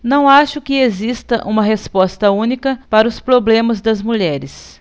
não acho que exista uma resposta única para os problemas das mulheres